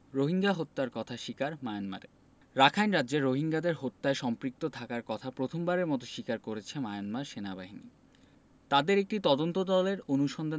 ০৩ সংবাদ রোহিঙ্গা হত্যার কথা স্বীকার মিয়ানমারের রাখাইন রাজ্যে রোহিঙ্গাদের হত্যায় সম্পৃক্ত থাকার কথা প্রথমবারের মতো স্বীকার করেছে মিয়ানমার সেনাবাহিনী